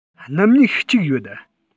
སྣུམ སྨྱུག གཅིག ཡོད